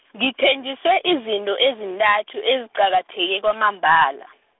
ngithenjiswe izinto ezintathu eziqakatheke kwamambala.